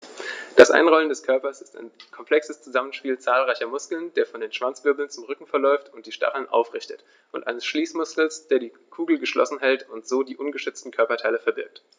Das Einrollen des Körpers ist ein komplexes Zusammenspiel zahlreicher Muskeln, der von den Schwanzwirbeln zum Rücken verläuft und die Stacheln aufrichtet, und eines Schließmuskels, der die Kugel geschlossen hält und so die ungeschützten Körperteile verbirgt.